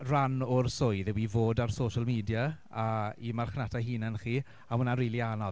Ran o'r swydd yw i fod ar social media a i marchnata hunan chi a ma' hwnna'n rili anodd.